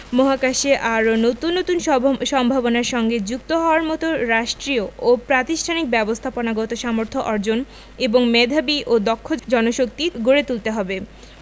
মহাকাশে আরও নতুন নতুন সম্ভাবনার সঙ্গে যুক্ত হওয়ার মতো রাষ্ট্রীয় ও প্রাতিষ্ঠানিক ব্যবস্থাপনাগত সামর্থ্য অর্জন এবং মেধাবী ও দক্ষ জনশক্তি গড়ে তুলতে হবে